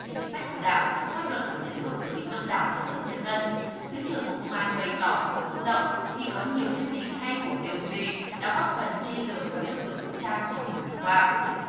chính sách của đảng pháp luật của nhà nước tới đông đảo tầng lớp nhân dân thứ trưởng bộ công an bày tỏ sự xúc động khi có nhiều chương trình hay của vê ô vê đã góp phần chia lửa với lực lượng vũ trang trong nhiều năm qua